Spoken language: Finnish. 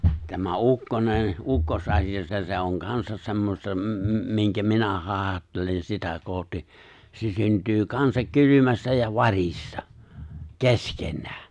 tämä ukkonen ukkosasia se se on kanssa semmoista -- minkä minä haihattelen sitä kohti se syntyy kanssa kylmästä ja varista keskenään